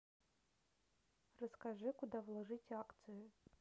расскажи куда вложить акции